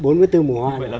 bốn mươi tư mùa hoa